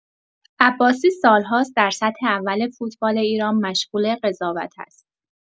عباسی سال‌هاست در سطح اول فوتبال ایران مشغول قضاوت است.